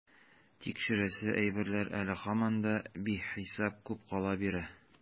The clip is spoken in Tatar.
Тикшерәсе әйберләр әле һаман да бихисап күп кала бирә.